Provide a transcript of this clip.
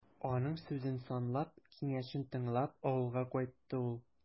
Аның сүзен санлап, киңәшен тыңлап, авылга кайтты ул.